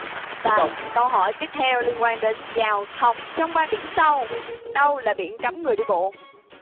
và câu hỏi tiếp theo liên quan đến giao thông trong ba biển sau đâu là biển cấm người đi bộ